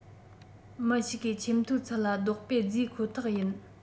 མི ཞིག གིས ཆེ མཐོའི ཚད ལ རྡོག པས བརྫིས ཁོ ཐག ཡིན